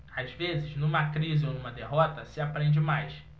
às vezes numa crise ou numa derrota se aprende mais